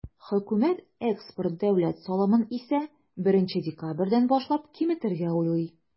Хөкүмәт экспорт дәүләт салымын исә, 1 декабрьдән башлап киметергә уйлый.